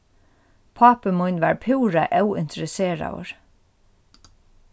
pápi mín var púra óinteresseraður